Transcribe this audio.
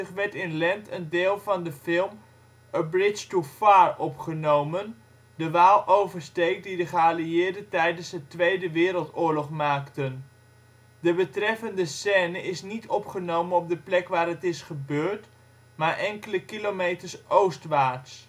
werd in Lent een deel van de film A bridge too far opgenomen, de Waaloversteek die de geallieerden tijdens de Tweede Wereldoorlog maakten. De betreffende scène is niet opgenomen op de plek waar het is gebeurd, maar enkele kilometers oostwaarts